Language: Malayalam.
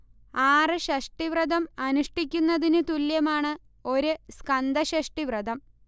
ആറ് ഷഷ്ടിവ്രതം അനുഷ്ഠിക്കുന്നതിനു തുല്യമാണ് ഒരു സ്കന്ദഷഷ്ഠി വ്രതം